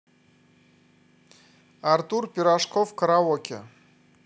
артур пирожков караоке